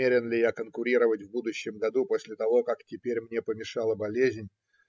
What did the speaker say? намерен ли я конкурировать в будущем году, после того как теперь мне помешала болезнь?